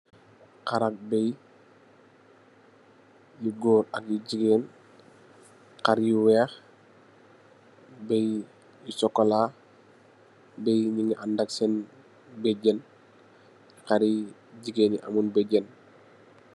Xar ak bëy yu gór ak yu jigeen, xar yu wèèx bëy yu sokola, bëy yi ñi ngi anda ak sèèni bèèjèn, xar yu jigeen yi amuñ bèèjèñ.